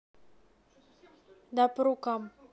да по рукам